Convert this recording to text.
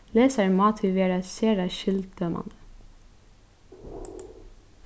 lesarin má tí vera sera skildømandi